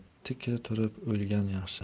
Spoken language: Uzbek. tik turib o'lgan yaxshi